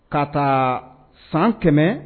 Ka taa san 100